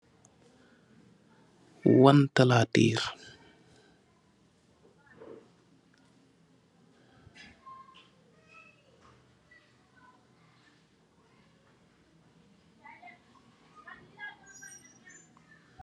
Wantalaatair